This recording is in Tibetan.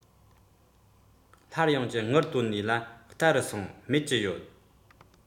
ཡང བསྐྱར ང ཚོ དང འབྲེལ བ བྱེད ཀྱི རེད